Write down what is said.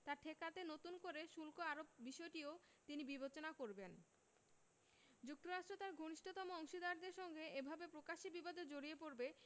তা ঠেকাতে নতুন করে শুল্ক আরোপের বিষয়টিও তিনি বিবেচনা করবেন যুক্তরাষ্ট্র তার ঘনিষ্ঠতম অংশীদারদের সঙ্গে এভাবে প্রকাশ্যে বিবাদে জড়িয়ে পড়বে